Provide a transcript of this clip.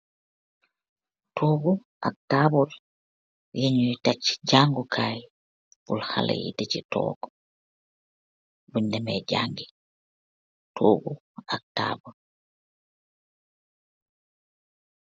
Torgoo ak tabool, yii nyi tehk si jangu kai, purr haleh yii disi tog bunj demeah jangi. Torgoo ak tabool.